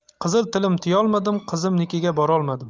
qizil tilim tiyolmadim qizimnikiga borolmadim